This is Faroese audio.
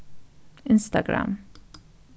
instagram